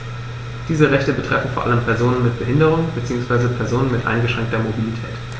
Diese Rechte betreffen vor allem Personen mit Behinderung beziehungsweise Personen mit eingeschränkter Mobilität.